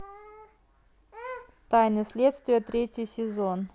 тайны следствия третий сезон